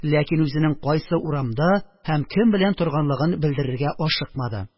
Ләкин үзенең кайсы урамда һәм кем белән торганлыгын белдерергә ашыкмады